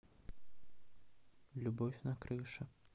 любовь на крыше